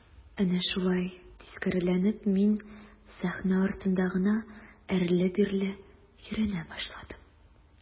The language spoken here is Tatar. Әнә шулай тискәреләнеп мин сәхнә артында гына әрле-бирле йөренә башладым.